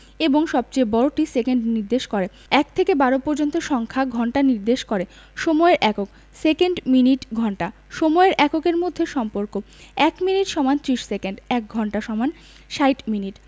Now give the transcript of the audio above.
এবং সবচেয়ে বড়টি সেকেন্ড নির্দেশ করে ১ থেকে ১২ পর্যন্ত সংখ্যা ঘন্টা নির্দেশ করে সময়ের এককঃ সেকেন্ড মিনিট ঘন্টা সময়ের এককের মধ্যে সম্পর্কঃ ১ মিনিট = ৩০ সেকেন্ড ১ঘন্টা = ৬০ মিনিট